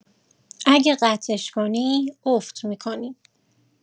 اگه قطعش کنی، افت می‌کنی.